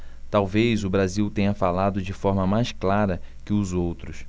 talvez o brasil tenha falado de forma mais clara que os outros